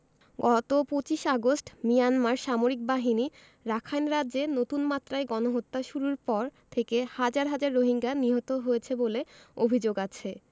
গত ২৫ August Myanmar সামরিক বাহিনী রাখাইন রাজ্যে নতুন মাত্রায় গণহত্যা শুরুর পর থেকে হাজার হাজার রোহিঙ্গা নিহত হয়েছে বলে অভিযোগ আছে